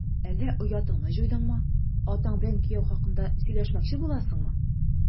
Әллә оятыңны җуйдыңмы, атаң белән кияү хакында сөйләшмәкче буласыңмы? ..